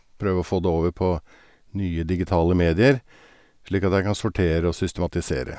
Prøve å få det over på nye digitale medier slik at jeg kan sortere og systematisere.